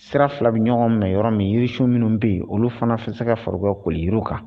Sira 2 bi ɲɔgɔn minɛ yɔrɔ min yirisun minnu be ye olu fana fɛ se ka far'u ka koli yiruw kan